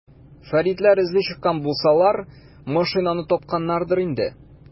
Фәритләр эзли чыккан булсалар, машинаны тапканнардыр инде.